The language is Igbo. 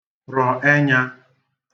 rọ̀ ẹnyā